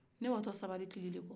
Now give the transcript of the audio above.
ne watɔ sabari kili de kɔ